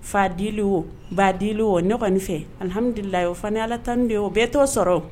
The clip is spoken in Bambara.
Fadi o badi oo ɲɔgɔnin fɛ alihammududulilala oo fana ni ala tan de o bɛɛtɔ sɔrɔ